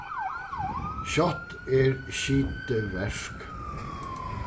skjótt er skitið verk